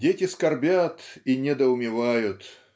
Дети скорбят и недоумевают.